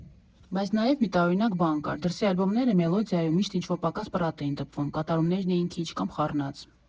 Բայց նաև մի տարօրինակ բան կար՝ դրսի ալբոմները «Մելոդիայում» միշտ ինչ֊որ պակաս֊պռատ էին տպվում՝ կատարումներն էին քիչ, կամ խառնած։